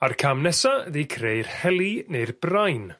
A'r cam nesa ydi creu'r hyli' ne'r brine